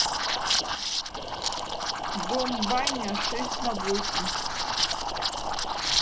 дом баня шесть на восемь